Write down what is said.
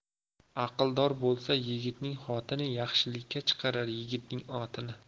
aqldor bo'lsa yigitning xotini yaxshilikka chiqarar yigitning otini